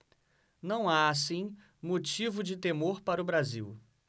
não há assim motivo de temor para o brasil